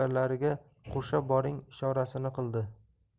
bo'lib navkarlariga qurshab boring ishorasini qildi